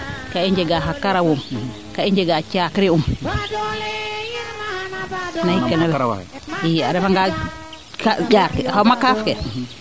kaa i njega xa karawum kaa i njega cakri um naxik kene refa a refa nga njaar ke xawma kaaf ke